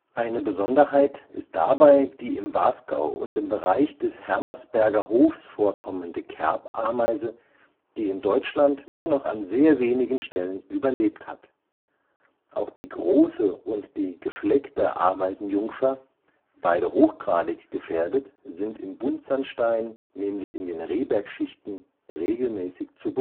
Eine Besonderheit ist dabei die im Wasgau und im Bereich des Hermersberger Hofs vorkommende Kerbameise, die in Deutschland nur noch an sehr wenigen Stellen überlebt hat. Auch die Große und die Gefleckte Ameisenjungfer, beide hochgradig gefährdet, sind im Buntsandstein (Rehbergschichten) regelmäßig zu